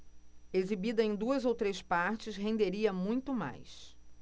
exibida em duas ou três partes renderia muito mais